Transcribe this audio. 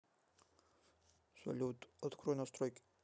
салют открой настройки